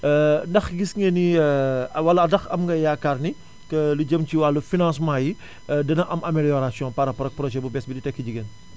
ndax gis nga ni walaa ndax am nga yaakaar ni lu jëm ci wàllu financement yi dina am amélioration par rapport ak projet bu bees bii di tekki jigéen